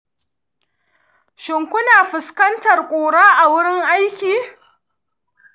shin kuna fuskantar ƙura a wurin aiki?